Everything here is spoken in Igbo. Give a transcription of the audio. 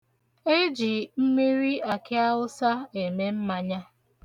E ji mmiri akịawụsa eme mmanya.